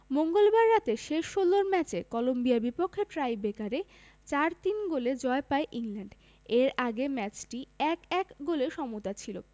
মঙ্গলবার রাতে শেষ ষোলোর ম্যাচে কলম্বিয়া বিপক্ষে টাইব্রেকারে ৪ ৩ গোলে জয় পায় ইংল্যান্ড এর আগে ম্যাচটি ১ ১ গোলে সমতা ছিল